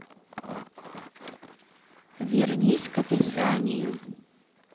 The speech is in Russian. вернись к описанию